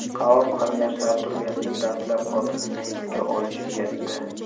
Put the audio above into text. qavm qarindoshlari turganda dastlab xotinini esga olish uyatda